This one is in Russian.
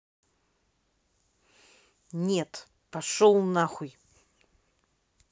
нет пошел нахуй